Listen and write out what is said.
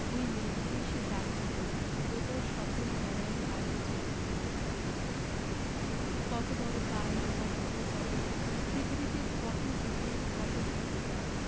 ঐ মেয়েটিকে এসে ডাক দিলে ও তাই সকল বেড়ার বাইরে চলে গিয়ে হারিয়ে গেল কত বড় কাল কত বড় জগত পৃথিবীতে কত যুগের কত জীবলীলা